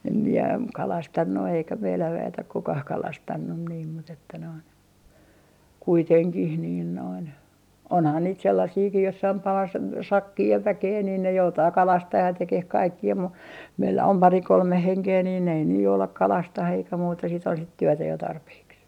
en minä kalastanut eikä meillä väet ole kukaan kalastanut niin mutta että noin onhan niitä sellaisiakin jossakin - sakki ja väkeä niin ne joutaa kalastamaan ja tekemään kaikkia mutta meillä on pari kolme henkeä niin ei ne jouda kalastamaan eikä muuta sitten on sitten työtä jo tarpeeksi